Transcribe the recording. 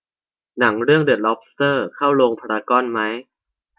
หนังเรื่องเดอะล็อบสเตอร์เข้าโรงพารากอนมั้ย